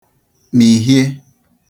mị̀hie